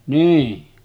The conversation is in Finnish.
niin